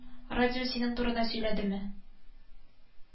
Радио синең турыда сөйләдеме